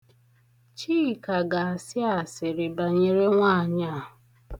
Chika ga-asị asịrị banyere nwaanyị a.